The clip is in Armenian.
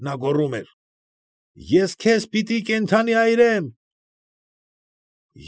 Նա գոռում էր. ֊ Ես քեզ պիտի կենդանի այրեմ։